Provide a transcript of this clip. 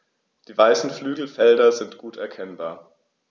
Die weißen Flügelfelder sind gut erkennbar.